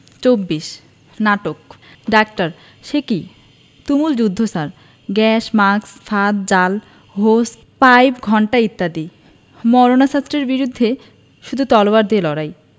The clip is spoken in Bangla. ২৪ নাটক ডাক্তার সেকি তুমুল যুদ্ধ স্যার গ্যাস মাস্ক ফাঁদ জাল হোস পাইপ ঘণ্টা ইত্যাদি মারণাস্ত্রের বিরুদ্ধে শুধু তলোয়ার দিয়ে লড়াই